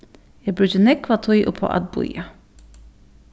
eg brúki nógva tíð upp á at bíða